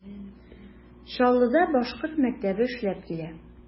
Чаллыда башкорт мәктәбе эшләп килә.